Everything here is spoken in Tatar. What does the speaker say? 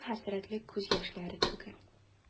Бу хәсрәтле күз яшьләре түгел.